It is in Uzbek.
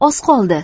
oz qoldi